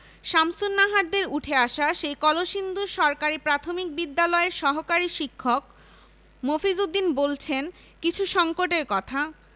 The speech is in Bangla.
শামসুন্নাহারদের উঠে আসা সেই কলসিন্দুর সরকারি প্রাথমিক বিদ্যালয়ের সহকারী শিক্ষক মফিজ উদ্দিন বললেন কিছু সংকটের কথা